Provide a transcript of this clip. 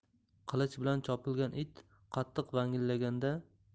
qilich bilan chopilgan it qattiq vangillaganda